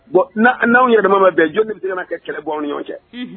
Bon n'aw yɛrɛ ma bɛn jɔnni seginna kɛ kɛlɛ bɔ anw ni ɲɔgɔn cɛ